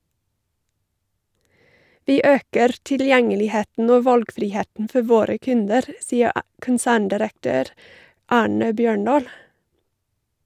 - Vi øker tilgjengeligheten og valgfriheten for våre kunder, sier konserndirektør Arne Bjørndahl.